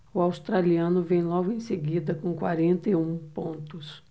o australiano vem logo em seguida com quarenta e um pontos